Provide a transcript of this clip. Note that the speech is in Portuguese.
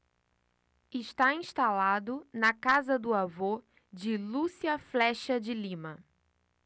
está instalado na casa do avô de lúcia flexa de lima